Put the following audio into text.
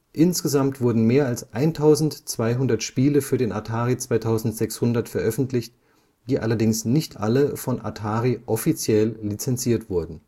Insgesamt wurden mehr als 1200 Spiele für den Atari 2600 veröffentlicht, die allerdings nicht alle von Atari offiziell lizenziert wurden